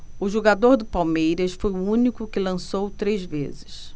o jogador do palmeiras foi o único que lançou três vezes